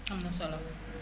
am na solo